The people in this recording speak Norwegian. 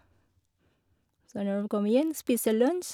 Så når vi kommer inn, spise lunsj.